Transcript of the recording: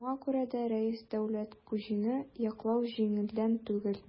Шуңа күрә дә Рәис Дәүләткуҗинны яклау җиңелдән түгел.